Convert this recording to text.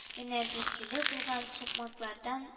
Генә билгеле булган сукмаклардан